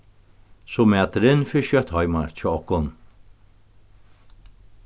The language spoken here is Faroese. so maturin fer skjótt heima hjá okkum